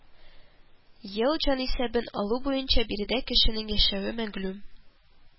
Ел җанисәбен алу буенча биредә кешенең яшәве мәгълүм